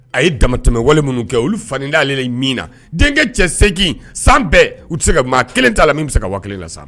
A ye dama tɛmɛ wale minnu kɛ olu fa'ale min na denkɛ cɛ segin san bɛɛ u tɛ se ka maa kelen t'a la min bɛ se ka wa kelen la sa